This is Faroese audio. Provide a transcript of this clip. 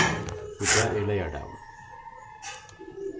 í dag er leygardagur